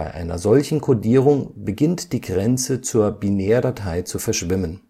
einer solchen Codierung beginnt die Grenze zur Binärdatei zu verschwimmen